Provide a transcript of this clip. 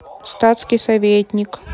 статский советник